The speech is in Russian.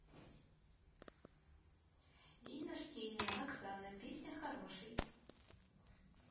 день рождения оксана песня хороший